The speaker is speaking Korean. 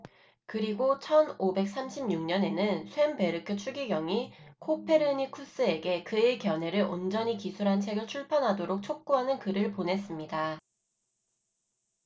그리고 천 오백 삼십 육 년에는 쇤베르크 추기경이 코페르니쿠스에게 그의 견해를 온전히 기술한 책을 출판하도록 촉구하는 글을 보냈습니다